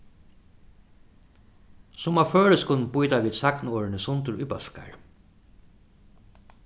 sum á føroyskum býta vit sagnorðini sundur í bólkar